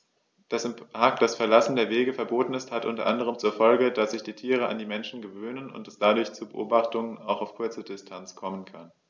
Dass im Park das Verlassen der Wege verboten ist, hat unter anderem zur Folge, dass sich die Tiere an die Menschen gewöhnen und es dadurch zu Beobachtungen auch auf kurze Distanz kommen kann.